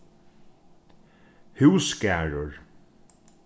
húsgarður